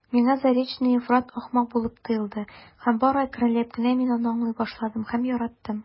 Миңа Заречная ифрат ахмак булып тоелды һәм бары әкренләп кенә мин аны аңлый башладым һәм яраттым.